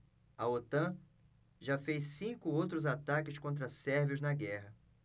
a otan já fez cinco outros ataques contra sérvios na guerra